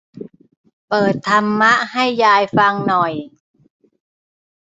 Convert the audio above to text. เปิดธรรมะให้ยายฟังหน่อย